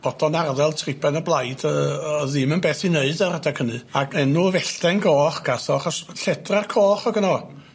bod o'n arddel triban y blaid yy o'dd ddim yn beth i neud ar adag hynny ag enw fellten goch gath o achos lledra coch o'dd gynno fo.